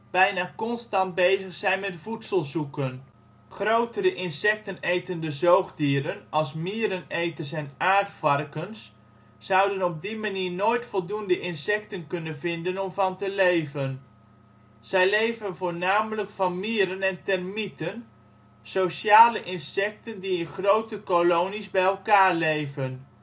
bijna constant bezig zijn met voedsel zoeken. Grotere insectenetende zoogdieren als miereneters en aardvarkens zouden op die manier nooit voldoende insecten kunnen vinden om van te leven. Zij leven voornamelijk van mieren en termieten, sociale insecten die in grote kolonies bij elkaar leven